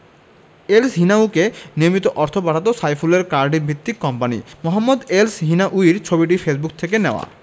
এলসহিনাউয়িকে নিয়মিত অর্থ পাঠাত সাইফুলের কার্ডিফভিত্তিক কোম্পানি মোহাম্মদ এলসহিনাউয়ির ছবিটি ফেসবুক থেকে নেওয়া